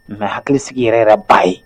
Mɛ hakilisigi yɛrɛ yɛrɛ b'a ye